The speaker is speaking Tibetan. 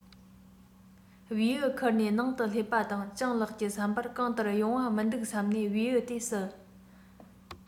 བེའུ འཁུར ནས ནང དུ སླེབས པ དང སྤྱང ལགས ཀྱི བསམ པར གང ལྟར ཡོང བ མི འདུག བསམས ནས བེའུ དེ བསད